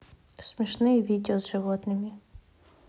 смешные видео с животными